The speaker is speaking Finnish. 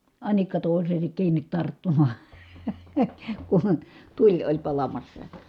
anikka toiseensa kiinni tarttumaan kun tuli oli palamassa